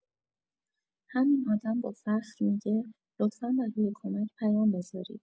همین آدم با فخر می‌گه لطفا برای کمک پیام بزارید!